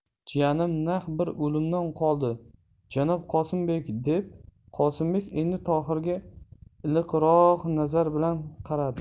jiyanim naq bir o'limdan qoldi janob qosimbek deb qosimbek endi tohirga iliqroq nazar bilan qaradi